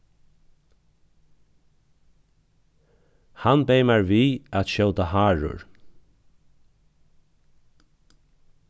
hann beyð mær við at skjóta harur